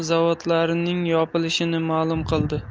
zavodlarning yopilishini ma'lum qildi